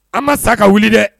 An ma sa ka wuli dɛ